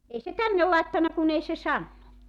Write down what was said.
ei se tänne laittanut kun ei se sanonut